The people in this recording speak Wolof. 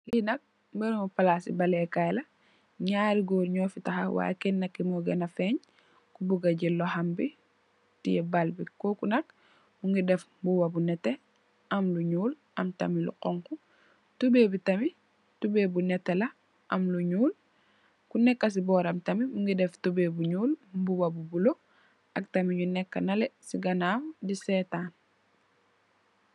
Li nak barabi palasi bal lee Kay la ñaari gór ñu fi taxaw way Kenna ki mo gennè feeñ ku buga jél loxom bi teyeh bal bi ko ku nat mugii dèf mbuba bu netteh ak lu ñuul am tamit lu xonxu tubay bi tamit tubay bu netteh la am lu ñuul ku nekka ci bóram tamit mugii def tubay bu ñuul mbuba bu bula ak tamid ñu nekka nale ci ganaw di sèètan.